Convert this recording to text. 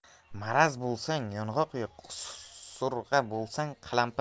maraz bo'lsang yong'oq ye qusung'a bo'lsang qalampir